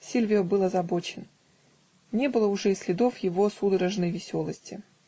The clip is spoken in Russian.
Сильвио был озабочен; не было уже и следов его судорожной веселости.